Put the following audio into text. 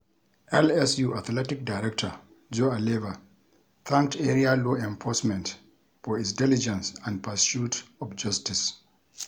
LSU athletic director Joe Alleva thanked area law enforcement for its "diligence and pursuit of justice."